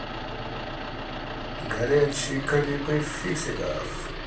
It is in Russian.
горячие клипы фиксиков